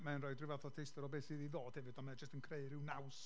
mae'n roi rhyw fath o daster o be sydd i ddod hefyd, ond mae o jyst yn creu ryw naws.